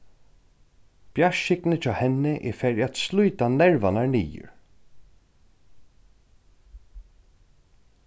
bjartskygnið hjá henni er farið at slíta nervarnar niður